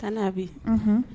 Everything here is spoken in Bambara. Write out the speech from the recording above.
Taa'a bi